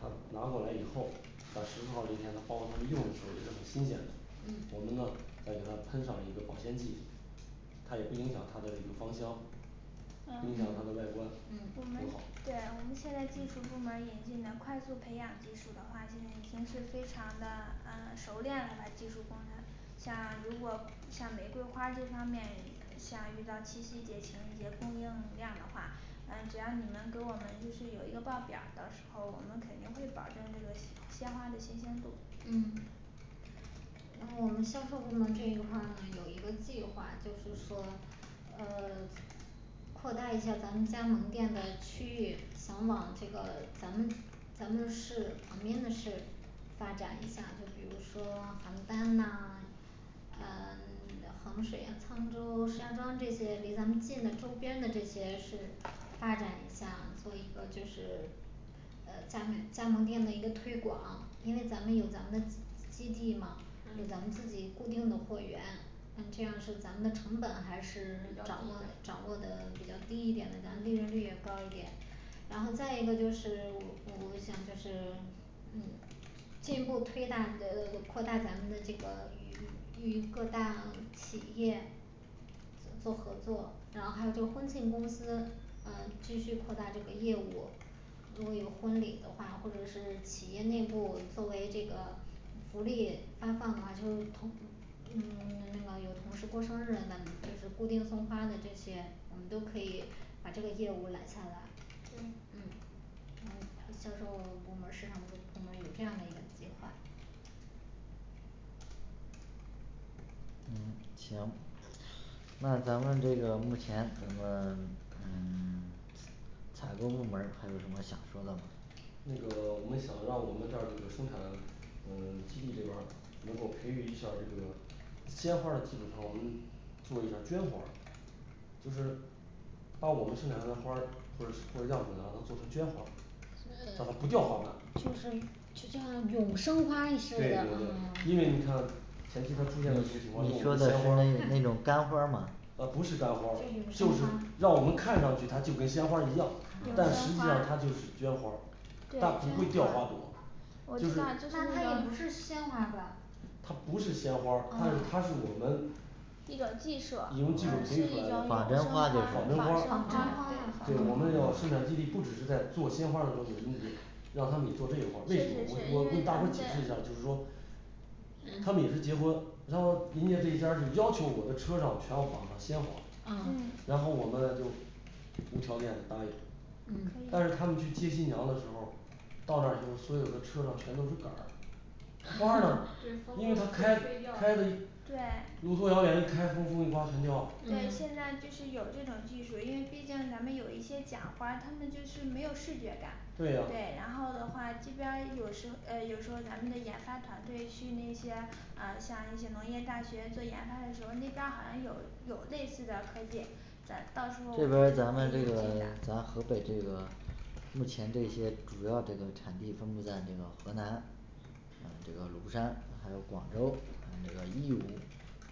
他拿过来以后到十四号儿那天，他包括他们用的时候儿也是很新鲜的，我嗯们呢再给它喷上一个保鲜剂它也不影响它的这个芳香嗯影响它的外观嗯不我们好对呀我们现在技术部门儿引进的快速培养技术的话，现在已经是非常的啊熟练了吧技术工人。像如果像玫瑰花这方面，像遇到七夕节情人节供应量的话嗯只要你们给我们就是有一个报表儿到时候儿，我们肯定会保证这个鲜鲜花儿的新鲜度。嗯然后我们销售部门儿这一块儿呢有一个计划就是说呃 扩大一下咱们加盟店的区域，咱往这个咱们咱们市旁边的市发展一下，就比如说邯郸呐呃 衡水、沧州、石家庄这些离咱们近的周边的这些市发展一下，做一个就是呃加盟 加盟店的一个推广，因为咱们有咱们基地嘛，咱嗯们自己固定的货源嗯这样是咱们的成本还是比较掌低握的掌握的比较低一点的，咱利润率也高一点。然后再一个就是我我想的是嗯进一步推大的扩大咱们的这个与与各大企业做合作，然后还有个婚庆公司呃继续扩大这个业务。如果有婚礼的话，或者是企业内部作为这个福利发放啊就通，嗯 那个有同事过生日，咱们可以固定送花的这些我们都可以把这个业务揽下来，对嗯嗯就是我们那个市场部部门儿有这样的一个计划。嗯，行那咱们这个目前呃 嗯 采购部门儿还有什么想说的吗？那个我想让我们这儿这个生产嗯基地这边儿能够培育一下儿这个鲜花儿的基础上，我们做一下绢花儿就是，把我们生产的花儿或者或者样本啊能做成绢花儿叫它不掉花瓣就是就像永生花似对对的啊对因为你 看前期它出现了什么情况因为你我说们的绢是花儿那那种干花儿吗啊不是干花儿，就就永是生花让我们看上去它就跟鲜花儿一样，永但实生际上花它就是绢花儿对但不会绢掉花花朵我就知是道就是那它那也个不是鲜花吧它不是鲜花儿，它是它是我们一种技术一种技术培育出来呃是一种永的生花仿仿仿真真真花花花就是儿仿真花呀对，我们也要生产基地不止是在做鲜花儿的时候儿，我们让他们也做这花儿，为什么？我我我给大伙儿解释一下儿，就是说他们也是结婚，然后人家这一家子要求我的车上全部绑上鲜花啊，嗯然后我们就无条件的答应嗯但是可以他们去接新娘的时候儿，到那儿以后所有的车上全都是梗儿花儿呢对，因为风它开吹掉开的了对路途遥远一开风风一刮全掉了对，现在就是有这种技术，因为毕竟咱们有一些假花，它们就是没有视觉感。对呀对，然后的话这边儿有时唉有时候咱们的研发团队去那些啊像一些农业大学做研发的时候，那边儿好像有有类似的科技，咱到时候这边儿咱们这个咱河北这个目前这些主要这个产地分布在那个河南，啊这个庐山，还有广州、还有这个义乌、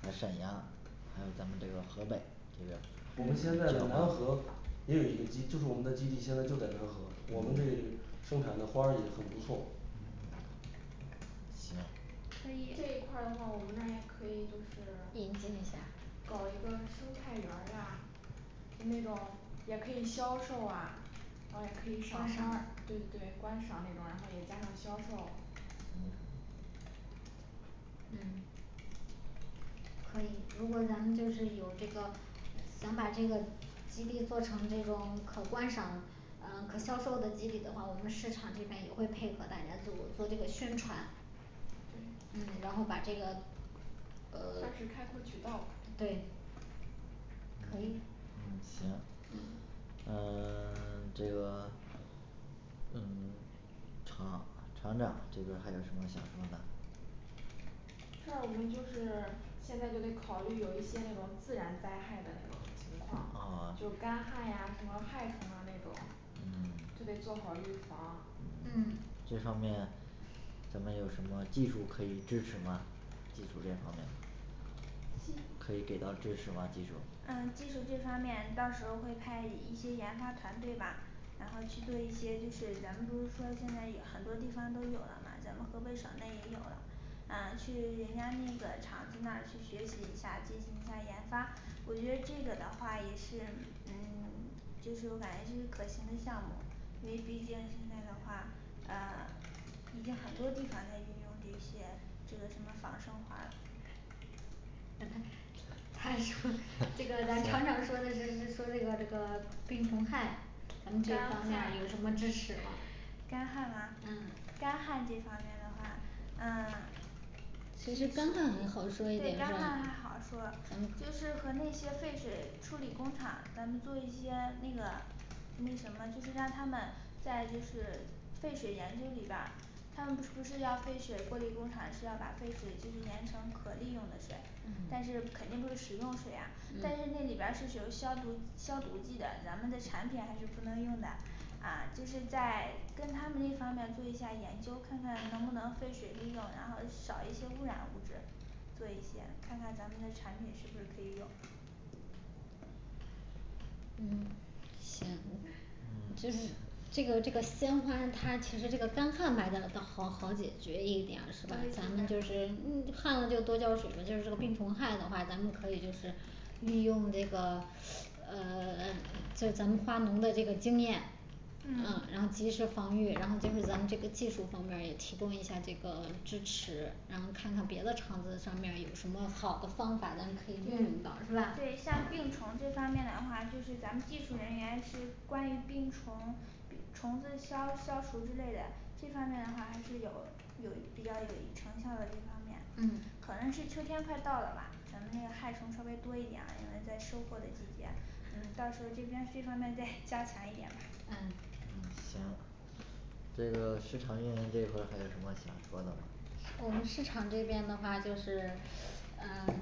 还有沈阳，还有咱们这个河北我们现在的南河也有一个基，就是我们的基地现在就在南和，我们这生产的花儿也很不错嗯可这一以块儿的话我们大家可以就是。引进一下，搞一个生态园儿呀，那种也可以销售啊然后也可以赏花儿，对对观赏那种，然后也加上销售。嗯可以，如果咱们就是有这个能把这个基地做成这种可观赏呃可销售的基地的话，我们市场这边也会配合大家做做做这个宣传。对，嗯然后把这个呃算是 开阔渠道吧对可以行嗯呃 这个嗯，厂厂长这边儿还有什么想问的？这儿我们就是现在就得考虑有一些那种自然灾害的那种情况，啊就干旱呀什么害虫啊那种嗯就得做好预防嗯这方面咱们有什么技术可以支持吗？技术这方面儿。技可以给到支持吗技术嗯这个这方面，到时候会派一些研发团队吧然后去做一些，就是咱们不是说现在也好多地方都有了嘛，咱们河北省内也有了，啊去人家那个厂子那儿去学习一下，进行一下研发，我觉得这个的话也是嗯就是我感觉就是可行的项目。因为毕竟现在的话，啊已经很多地方在运用这些这个什么仿生花嗯他说这个咱厂长说的是 说这个这个病虫害，咱们这干方面儿有旱什么支持吗？对干旱吗嗯干旱这方面的话嗯，其实干旱还好说一点对嗯干旱还好说，就是和那些废水处理工厂咱们做一些那个那什么就是让他们在就是废水研究里边儿他们不不是要废水过滤工厂，是要把废水进行研成可利用的水，嗯但是肯定不是食用水呀但是那里边儿就是有消毒消毒剂的，咱们的产品还是不能用的。啊就是在跟他们这方面做一下研究，看看能不能废水利用，然后少一些污染物质做一些看看咱们的产品是不是可以有。嗯，行，就是这个这个鲜花儿它其实这个干旱来的要好好解决一点儿可是吧？咱们以就这是边儿旱了就多浇水，就是说病虫害的话，咱们可以就是利用这个呃 在咱们花农的这个经验嗯嗯然后及时防御，然后就是咱们这个技术方面儿也提供一下这个支持，然后看看别的厂子上面儿有什么好的方法，咱们可以运用到对是吧？对像病虫这方面的话就是咱们技术人员是关于病虫病虫子消消除之类的，这方面的话还是有有比较有成效的，这方面嗯可能是秋天快到了吧咱们那个害虫稍微多一点儿，因为在收获的季节，嗯到时候儿这边这方面再加强一点儿。嗯嗯行这个市场运营这一块儿还有什么想说的吗？我们市场这边的话，就是呃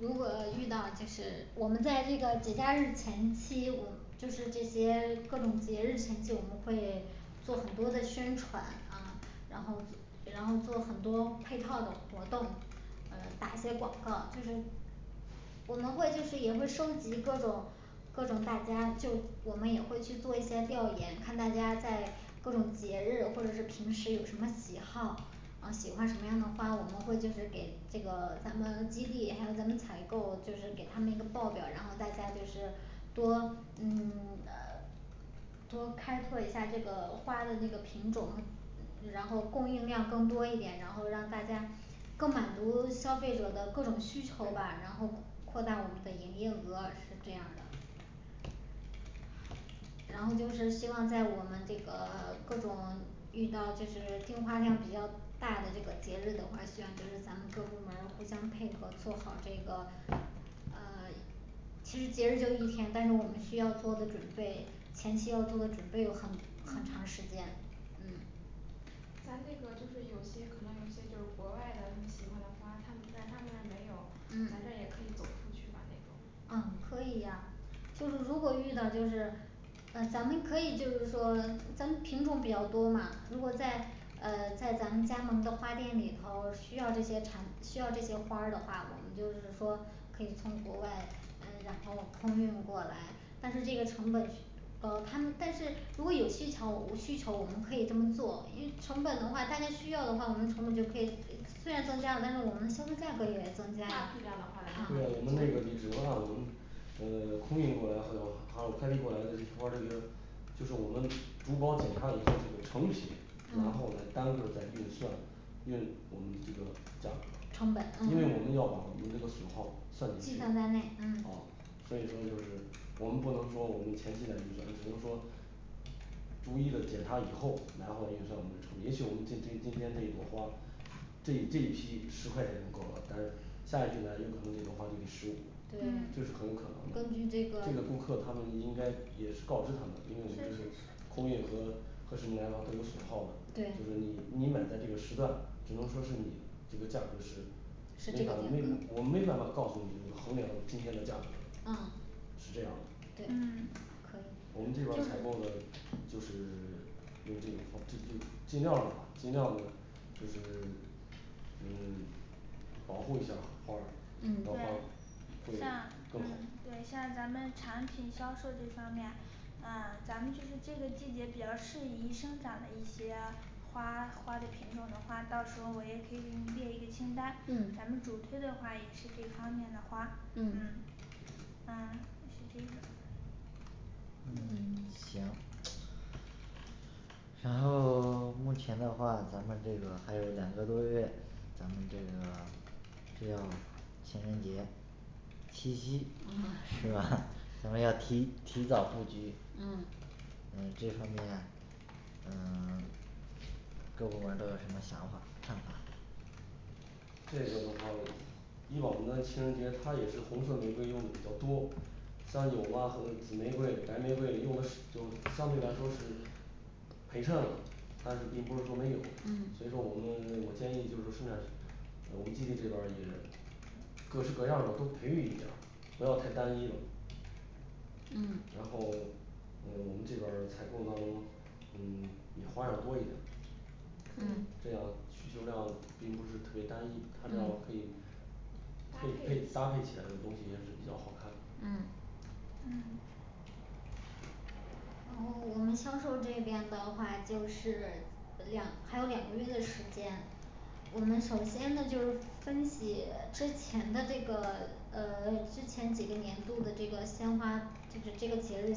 如果遇到就是我们在这个节假日前期，我就是这些各种节日前期我们会做很多的宣传嗯然后然后做很多配套的活动，呃打一些广告，就是我们会就是也会收集各种各种大家就我们也会去做一些调研，看大家在各种节日或者是平时有什么喜好，呃喜欢什么样的花，我们会就是给这个咱们基地，还有咱们采购就是给他们一个报表，然后大家就是多嗯 呃多开拓一下这个花的那个品种，然后供应量更多一点，然后让大家更满足消费者的各种需求对吧，然后扩大我们的营业额，是这样的。然后就是希望在我们这个各种遇到就是订花量比较大的这个节日的话，希望咱们咱们各部门儿互相配合，做好这个呃 其实节日就一天，但是我们需要做的准备，前期要做的准备有很很嗯长时间嗯咱那个就是有些可能有些就国外的他们喜欢的花他们，但他们那儿没有咱嗯这也可以走出去把那种嗯可以呀就是如果遇到就是嗯咱们可以就是说咱们品种比较多嘛，如果在呃在咱们加盟的花店里头需要这些产需要这些花儿的话，我们就是说可以从国外嗯然后空运过来，但是这个成本呃他们但是如果有需求，我们需求我们可以这么做，因为成本的话大家需要的话，我们成本就可以虽然说这样，但是我们的销售价格也增加大批量的话咱对呀我们就那可个以做你只能按我们嗯 空运过来还有还有快递过来的这些花儿这个，就是我们主保检查以后这个成品，然后来单个儿再运算运我们这个价成本格啊因为我们要把我们这个损耗算计进去啊算，在内嗯所以说就是我们不能说我们前期来预算只能说逐一的检查以后，然后运算我们的成本，也许我们今今今天这一朵花儿这这一批十块钱就够了，但是下一批来有可能这朵花就得十五嗯对，这是很有可能的根，据这个这个顾客他们应该也是告知他们，因为我们这是空运和和什么来的话都有损耗的，就对是你你买在这个时段只能说是你这个价格是实没际法没我没办法告诉你这个衡量今天的价格嗯。是这样的，对嗯可以我们这边就儿采购是的就是 用这个话这就尽量的吧尽量的就是 嗯 保护一下花儿嗯对让花儿会像更嗯好对像咱们产品销售这方面嗯咱们这个这个季节比较适宜生长的一些花花的品种的话，到时候儿我也可以给你列一个清单，嗯咱们主推的话也是这方面的花。嗯嗯嗯嗯 行然后 目前的话咱们这个还有两个多月咱们这个就要情人节七夕嗯是吧？ 咱们要提提早布局，嗯嗯这方面嗯 各部门儿都有什么想法看法。这个的话，以往的那情人节它也是红色玫瑰用的比较多像有嘛和玫瑰白玫瑰用的是就相对来说是陪衬了但是并不是说没有，嗯所以说我们我建议就是生产。我们基地这边儿也各式各样儿的都培育一点儿，不要太单一了。嗯然后我们这边儿采购当中嗯也花样多一点儿，可以这样，需求量并不是特别单一它这样嗯可以配配搭搭配配一下儿起来的东西也是比较好看的嗯嗯然后我们销售这边的话就是两还有两个月的时间，我们首先那就分析之前的这个呃之前几个年度的这个鲜花，就是这个节日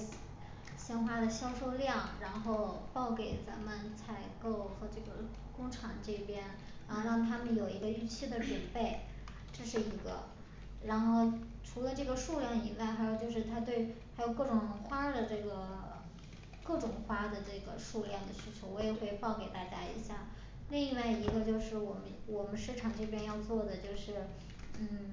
鲜花的销售量，然后报给咱们采购和这个工厂这边，啊让他们有一个预期的准备，这是一个。然后除了这个数量以外，还有就是他对还有各种花儿的这个 各种花的这个数量的需求，我也会报给大家一下。另外一个就是我们我们市场这边要做的就是嗯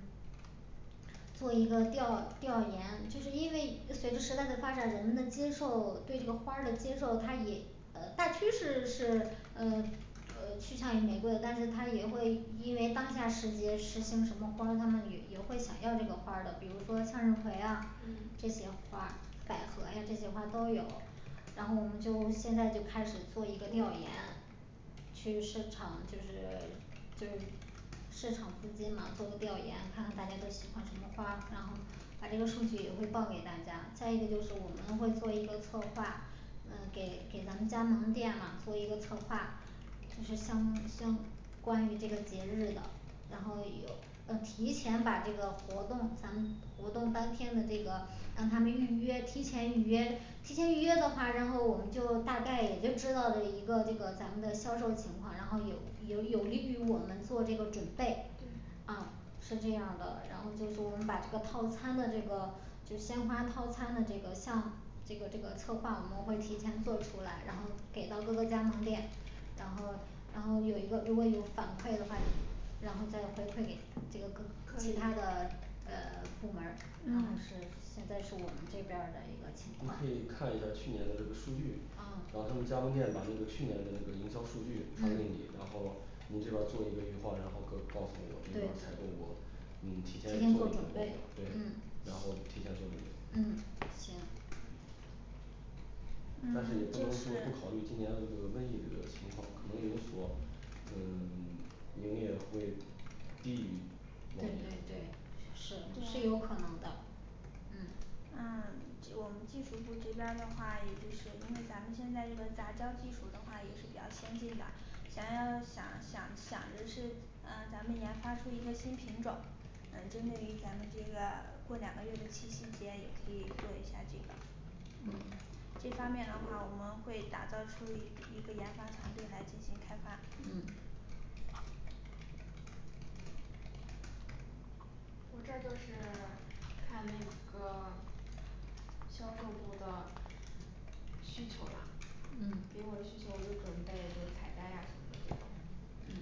做一个调调研，就是因为随着时代的发展，人们的接受对这个花儿的接受，他也呃大趋势是呃呃趋向于玫瑰的，但是他也会因为当下时节实行什么花儿，他们女也会想要这种花儿的，比如说向日葵啊，嗯这些花儿百合呀这些花都有。然后我们就现在就开始做一个调研，去生产就是就是市场部今马后调研，看看大家都喜欢什么花儿，然后把这个数据也会报给大家。再一个就是我们会做一个策划呃给给咱们加盟店嘛做一个策划，是相相关于这个节日的，然后也呃提前把这个活动咱们活动当天的这个让他们预约提前预约提前预约的话，然后我们就大概也就知道了一个这个咱们的销售情况，然后也也有利于我们做这个准备对嗯是这样儿的，然后最后我们把这个套餐的这个就鲜花套餐的这个项这个这个策划我们会提前做出来，然后给到各个加盟店然后然后有一个如果有反馈的话，然后再回馈给这个各可其以他的呃部门儿，然后嗯是现在是我们这边儿的一个情你况，可以看一下儿去年的这个数据，啊然后他们加盟店把那个去年的那个营销数据传给嗯你，然后你这边儿做一个预划然后告告诉我这边儿对采购我嗯提提前也前做做一个准报表备儿对嗯然后提前做准备嗯。行嗯但是也不能就说不考虑是今年这个瘟疫这个情况，可能有所嗯 营业会低于往对年对的对是嗯对是有呀可能的。 嗯嗯我们技术部这边儿的话，也就是因为咱们现在这个杂交技术的话也是比较先进的，想要想想想着是，呃咱们研发出一个新品种，嗯针对于咱们这个过两个月就七夕节也可以做一下这个嗯这方面的话，我们会打造出一一个研发团队来进行开发。嗯我这儿就是看那个销售部的需求啦嗯给我需求就准备就是采摘呀什么的这种。嗯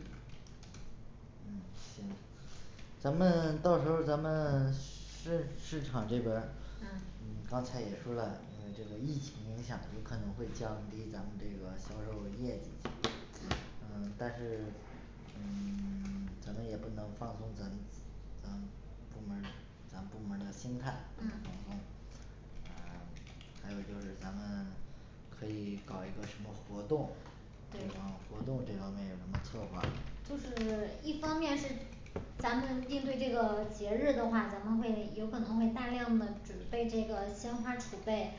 嗯，行咱们到时候儿咱们市市市场这边儿嗯嗯刚才也说了，因为这个疫情影响有可能会降低咱们这个销售业绩嗯 ，但是嗯 咱们也不能放松咱们咱们部门儿咱们部门儿的心态，然嗯后，嗯 还有就是咱们可以搞一个什么活动，这种活动这方面有什么策划？就是一方面是咱们应对这个节日的话，咱们会有可能会大量的准备这个鲜花儿储备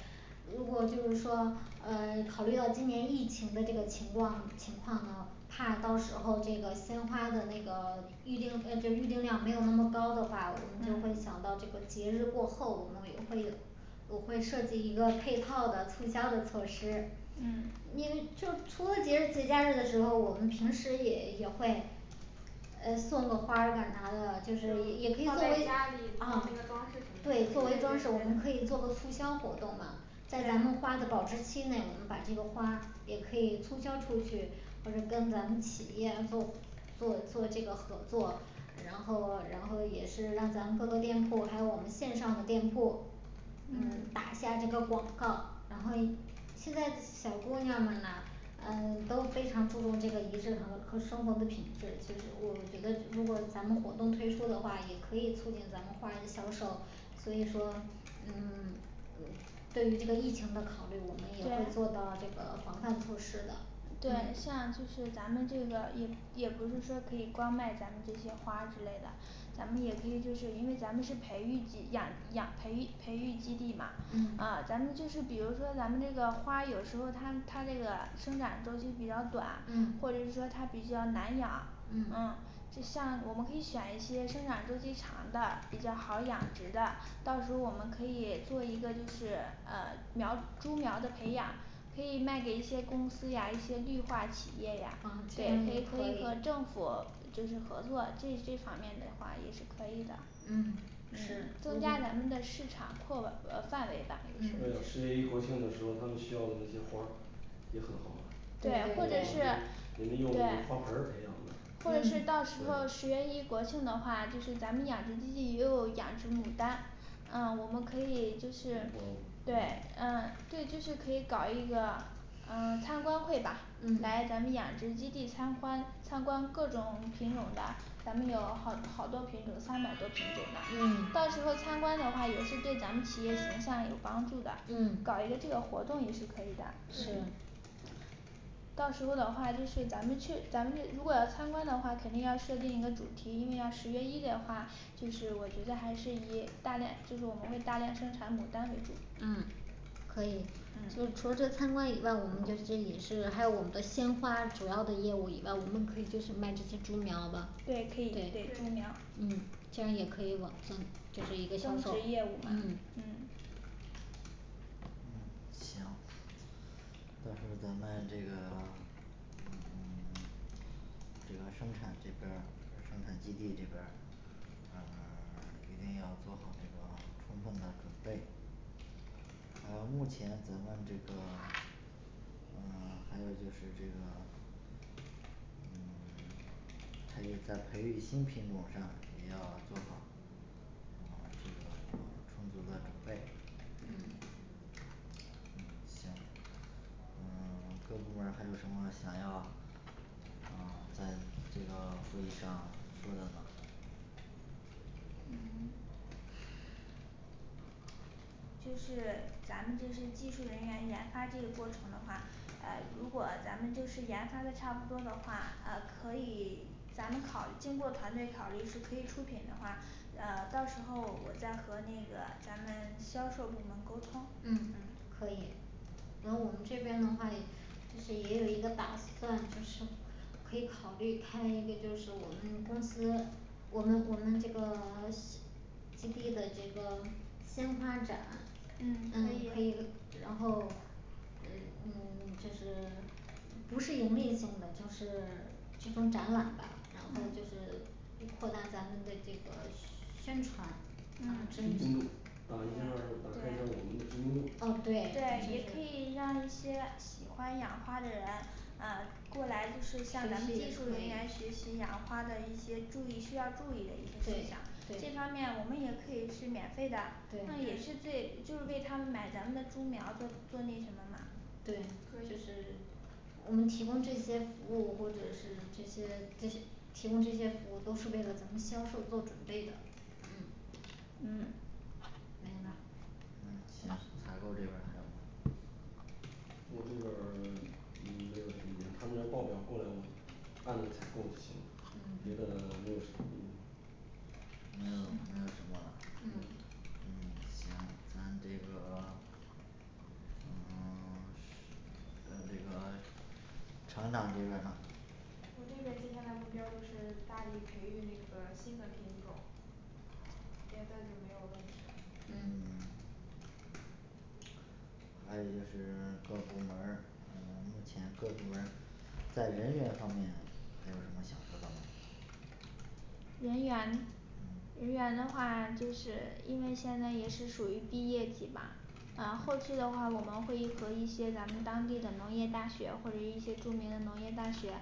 如果就是说呃考虑到今年疫情的这个情况情况啊怕到时候这个鲜花的这个预定嗯就预定量没有那么高的话，我们就会嗯想到这个节日过后，我们也会我会设计一个配套的促销的措施嗯。因为就除了节日节假日的时候，我们平时也也会嗯送个花儿干啥的就是也也不就要放作在为家里，啊做那个装饰什么的对也可作为装饰以我们可以做个促销活动啊在咱们花的保质期内，我们把这个花也可以促销出去，或者跟咱们企业做做做这个合作然后然后也是让咱们各个店铺，还有我们线上的店铺嗯打下这个广告然后一现在小姑娘们呢嗯都非常注重这个仪式和和生活的品质，就是我觉得如果咱们活动推出的话，也可以促进咱们花的销售所以说嗯对对于这个疫情的考虑，我们也会对做到这个防范措施的。对，嗯像就是咱们这个也也不是说可以光卖咱们这些花之类的咱们也可以就是因为咱们是培育基养养培育培育基地嘛，嗯啊咱们就是比如说咱们这个花有时候它它这个生产周期比较短嗯或者是说它比较难养嗯嗯，就像我们可以选一些生长周期长的比较好养殖的，到时候儿我们可以做一个就是呃苗儿株苗儿的培养可以卖给一些公司呀一些绿化企业呀嗯，这对样也也可可以以和政府就是合作这这方面的话也是可以的。嗯是，增加嗯咱们的市场扩范围吧，也嗯对是十月一国庆的时候儿他们需要的那些花儿也很好啊对我们，或者是对你们用花盆儿培养的或者是嗯到时候儿对十月一国庆的话，就是咱们养殖基地也有养殖牡丹，嗯我们可以就是对嗯对可以就是搞一个嗯参观会吧，嗯来咱们养殖基地参观参观各种品种的咱们有好好多品种三百多品种的，嗯到时候参观的话也是对咱们企业形象有帮助的嗯，搞一个这个活动也是可以的。是对到时候儿的话就是咱们去咱们去如果要参观的话，肯定要设定一个主题，因为要十月一的话就是我觉得还是以大量就是我们会大量生产牡丹为主嗯可以就除这参观以外，我们这些也是还有我们的鲜花主要的业务以外，我们可以就是卖这些株苗的对可以的对对株苗嗯这样也可以网上就是一个销增值售业务嘛嗯嗯嗯行但是咱们这个嗯 这个生产这边儿生产基地这边儿嗯 一定要做好这个充分的准备还有目前咱们这个嗯还有就是这个 嗯 培在培育新品种上也要做好嗯这个充足的准备嗯嗯，行嗯 各部门儿还有什么想要嗯在这个会议上说的吗？嗯就是咱们这些技术人员研发这个过程的话，呃如果咱们就是研发的差不多的话，啊可以咱们考经过团队考虑是可以出品的话，呃到时候我再和那个咱们销售部门沟通，嗯可以然后我们这边的话也就是也有一个打算就是可以考虑开一个就是我们公司我们我们这个 鲜 基地的这个鲜花展嗯嗯可可以以然后呃嗯就是不是盈利性的，就是集中展览吧嗯就是扩大咱们这地方儿宣 传嗯，知名度，打一下儿打开一下儿我们的知名度哦对对也也就可是以让一些喜欢养花的人啊过来就是学习向咱们也技术人员可以学习养花的一些注意需要注意的一些事项，这对对方面我们也可以是免费的，对也对是对就是为他们买咱们的株苗儿做做那什么嘛。对可这以是我们提供这些服务或者是这些这些提供这些服务，都是为了咱们销售做准备的。嗯嗯没了嗯行，采购这边儿还有吗？我这边儿 嗯没有什么意见他们的报表过来我按着采购就行了。别的没有什么没有没有什么了。嗯嗯行，咱这个 嗯 是咱这个厂长这边儿呢我这边儿接下来目标就是大力培育那个新的品种儿，别的就没有问题了。嗯 还有就是各部门儿，嗯目前各部门儿在人员方面还有什么想说的吗？人员嗯人员的话就是因为现在也是属于毕业季吧啊后期的话我们会和一些咱们当地的农业大学或者一些著名的农业大学，